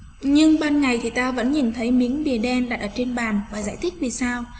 nhưng bên này thì ta vẫn nhìn thấy miếng bìa đen để trên bàn và giải thích vì sao